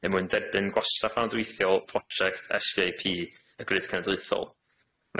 neu mwyn derbyn gwastraff andwythiol projiect Ess Vee Ay Pee y Grid Cenedlaethol.